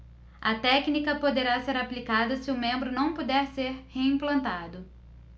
a técnica poderá ser aplicada se o membro não puder ser reimplantado